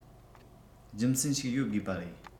རྒྱུ མཚན ཞིག ཡོད དགོས པ རེད